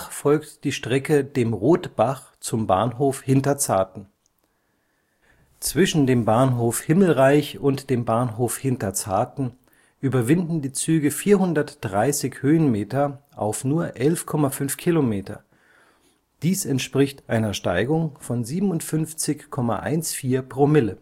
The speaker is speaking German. folgt die Strecke dem Rotbach zum Bahnhof Hinterzarten. Zwischen dem Bahnhof Himmelreich und dem Bahnhof Hinterzarten überwinden die Züge 430 Höhenmeter auf nur 11,5 Kilometer, dies entspricht einer Steigung von 57,14 ‰